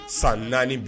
San 4 bi.